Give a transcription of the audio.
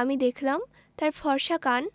আমি দেখলাম তার ফর্সা কান